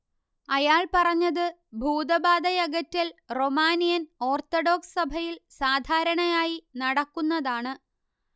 അയാൾ പറഞ്ഞത് ഭൂതബാധയകറ്റൽ റൊമാനിയൻ ഓർത്തഡോക്സ് സഭയിൽ സാധാരണയായി നടക്കുന്നതാണ്